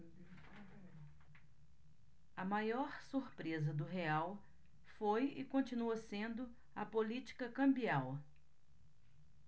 a maior surpresa do real foi e continua sendo a política cambial